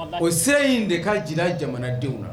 O se in de ka jira jamanadenw la